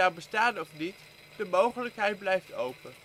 bestaan of niet, de mogelijkheid blijft open